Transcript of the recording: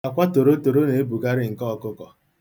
Akwa torotoro na-ebukarị nke ọkụkọ.